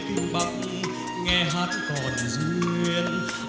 bắc nghe hát